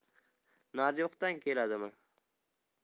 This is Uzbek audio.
naryoqdan keladimi